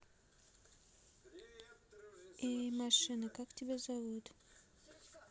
эй машина как тебя зовут